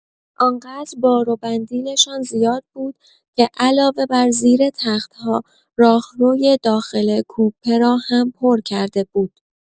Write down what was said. آنقدر بار و بندیل‌شان زیاد بود که علاوه بر زیر تخت‌ها، راهروی داخل کوپه را هم پر کرده بود.